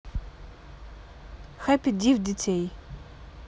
happy death детей